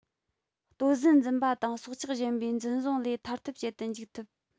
ལྟོ ཟན འཛིན པ དང སྲོག ཆགས གཞན པའི འཛིན བཟུང ལས ཐར ཐབས བྱེད དུ འཇུག ཐུབ